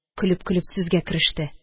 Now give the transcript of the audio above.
Көлеп-көлеп сүзгә кереште